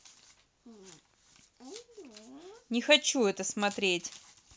не хочу это смотреть